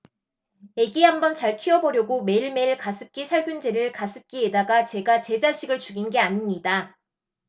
애기 한번 잘 키워보려고 매일매일 가습기 살균제를 가습기에다가 제가 제 자식을 죽인 게 아닙니다